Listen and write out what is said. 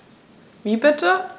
Wie bitte?